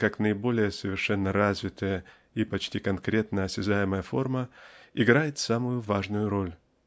как наиболее совершенно развитая и почти конкретно осязаемая форма играет самую важную роль.